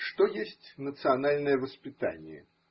Что есть национальное воспитание?